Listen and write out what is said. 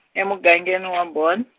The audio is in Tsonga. emugangeni wa Bon-.